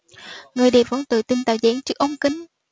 người đẹp vẫn tự tin tạo dáng trước ống kính